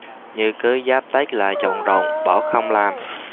nhưng cứ giáp tết là chộn rộn bỏ không làm